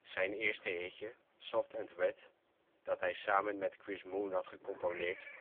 Zijn eerste hitje Soft and Wet, dat hij samen met Chris Moon had gecomponeerd,